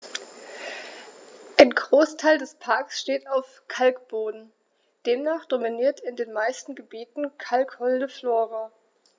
Ein Großteil des Parks steht auf Kalkboden, demnach dominiert in den meisten Gebieten kalkholde Flora.